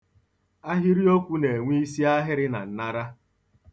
Ahịrịokwu na-enwe isiahịrị na nnara.